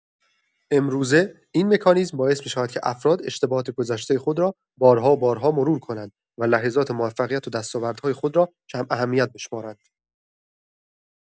امروزه، این مکانیزم باعث می‌شود که افراد اشتباهات گذشتۀ خود را بارها و بارها مرور کنند و لحظات موفقیت و دستاوردهای خود را کم‌اهمیت بشمارند.